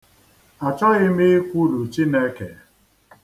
Achọghị m ikwulu Chineke.